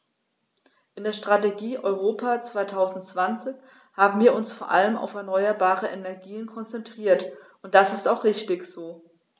In der Strategie Europa 2020 haben wir uns vor allem auf erneuerbare Energien konzentriert, und das ist auch richtig so.